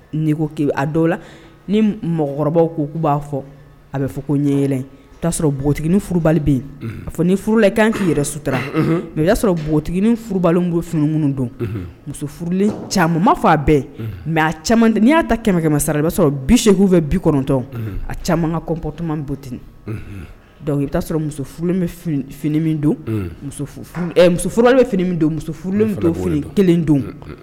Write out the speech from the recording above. N' ko ni mɔgɔkɔrɔba ko b'a fɔ a bɛ fɔ ko ɲɛ yɛlɛ'a sɔrɔ npogotigiini bɛla i'i yɛrɛ sutura o y'a sɔrɔ npogottigiini furuba finiunu don musolen caman ma fa a bɛɛ mɛ n'i y'a ta kɛmɛkɛmasa sara i b'a sɔrɔ bi se fɛ bi kɔnɔntɔn a caman ka kɔnpt bontinin dɔnku i'a sɔrɔ muso furulen fini don muso furu bɛ fini donlen fini kelen don